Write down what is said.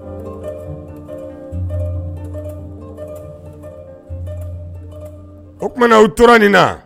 O tumaumana u tora nin na